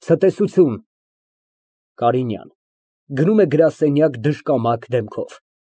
Ցտեսություն։ ԿԱՐԻՆՅԱՆ ֊ (Գնում է գրասենյակ դժկամակ դեմքով։